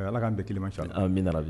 Ala k'an bɛɛ kelenma ca an min